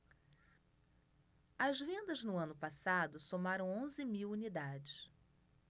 as vendas no ano passado somaram onze mil unidades